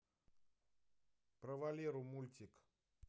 про валеру мультик